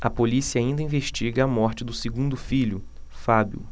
a polícia ainda investiga a morte do segundo filho fábio